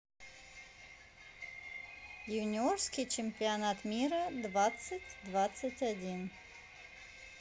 юниорский чемпионат мира двадцать двадцать один